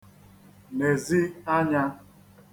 nezi ānyā